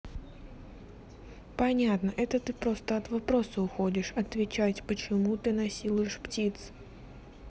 понятно это ты просто от вопроса уходишь отвечать почему ты насилуешь птиц